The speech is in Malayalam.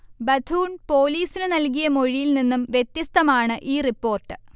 ബഥൂൺ പൊലീസിനു നൽകിയ മൊഴിയിൽ നിന്നും വ്യത്യസ്തമാണ് ഈ റിപ്പോർട്ട്